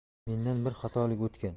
mendan bir xatolik o'tgan